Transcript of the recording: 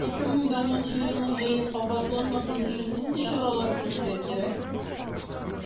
2010 елның җәе кабатланмасын өчен нинди чаралар күрергә кирәк?